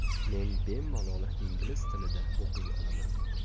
men bemalol ingliz tilida o'qiy olaman